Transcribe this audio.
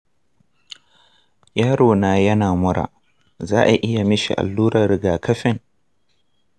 yarona yana mura, za'a iya mishi allurar rigakafin?